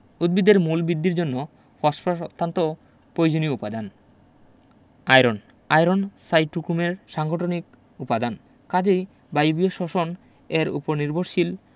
উদ্ভিদের মূল বৃদ্ধির জন্য ফসফরাস অত্যন্ত প্রয়োজনীয় উপাদান আয়রন আয়রন সাইটোক্রোমের সাংগঠনিক উপাদান কাজেই বায়বীয় শ্বসন এর উপর নির্ভরশীল